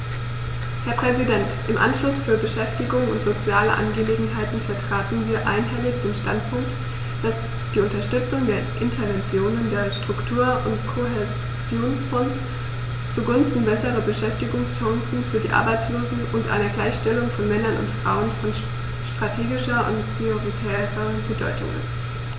Herr Präsident, im Ausschuss für Beschäftigung und soziale Angelegenheiten vertraten wir einhellig den Standpunkt, dass die Unterstützung der Interventionen der Struktur- und Kohäsionsfonds zugunsten besserer Beschäftigungschancen für die Arbeitslosen und einer Gleichstellung von Männern und Frauen von strategischer und prioritärer Bedeutung ist.